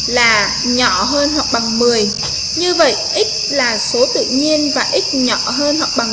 là nhỏ hơn hoặc bằng như vậy x là số tự nhiên và x nhỏ hơn hoặc bằng